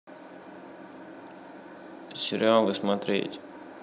сериалы смотреть